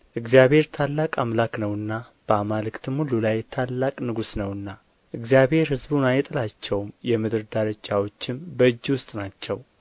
እግዚአብሔር ታላቅ አምላክ ነውና በአማልክትም ሁሉ ላይ ታላቅ ንጉሥ ነውና እግዚአብሔር ሕዝቡን አይጥላቸውም የምድር ዳርቻዎችም በእጁ ውስጥ ናቸው